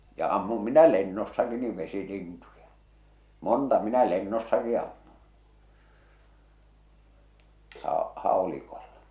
ja ammuin minä lennossakin niin vesilintuja monta minä lennossakin ammuin - haulikolla